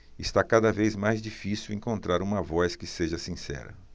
está cada vez mais difícil encontrar uma voz que seja sincera